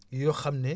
yoo xam ne